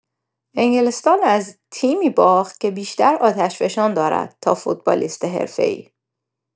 انگلستان از تیمی باخت که بیشتر آتشفشان دارد تا فوتبالیست حرفه‌ای.